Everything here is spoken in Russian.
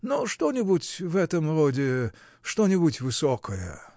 Но что-нибудь в этом роде, что-нибудь высокое.